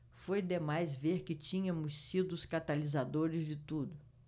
foi demais ver que tínhamos sido os catalisadores de tudo